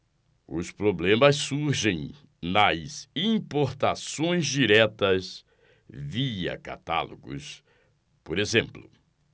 os problemas surgem nas importações diretas via catálogos por exemplo